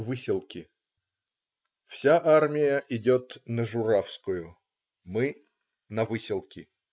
Выселки Вся армия идет на Журавскую. Мы - на Выселки.